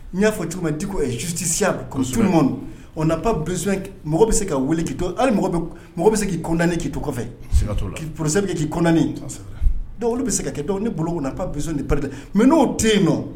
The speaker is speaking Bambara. N y'a fɔ cogo ma dikosisiyas o na mɔgɔ bɛ se ka weele hali mɔgɔ bɛ se k'i kod ke to kɔfɛ poro bɛ kɛ k'i ko dɔw olu bɛ se ka kɛ dɔn ni bolo kɔnɔ paz ni pate mɛ n'o den yen nɔ